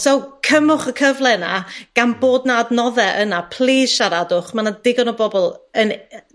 so, cymwch y cyfle 'na, gan bod 'na adnodde yna. Plîs siaradwch, ma' 'na digon o bobl yn yy